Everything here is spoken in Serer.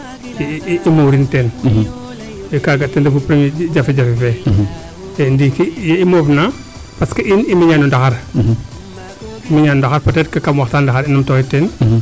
i muurin teen kaaga ten refu premiere jafe jafe fee ndiiki yee i moof na parce que in i miña no ndaxar i miña no ndaxar i miña no ndaxar peut etre kam waxtaan le xan i numtooxid teen